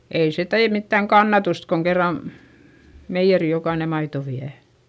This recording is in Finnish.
ei se tee mitään kannatusta kun kerran meijeriin jokainen maitoa vie